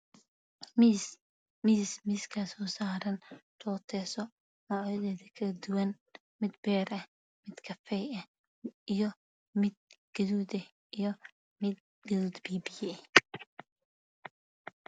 Miis miiskas oo saran rosetoh nooc yadeda kala duwan mid beer ah mid kafay ah iyo mid gaduud ah iyo mid gaduud biyo biyo eh